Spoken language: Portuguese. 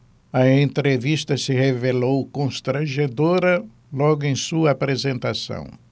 a entrevista se revelou constrangedora logo em sua apresentação